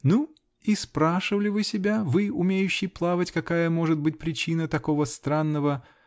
-- Ну -- и спрашивали вы себя, вы, умеющий плавать, какая может быть причина такого странного.